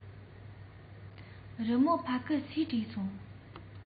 རི མོ ཕ གི སུས བྲིས སོང